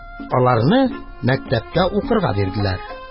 Аларны мәктәпкә укырга бирделәр.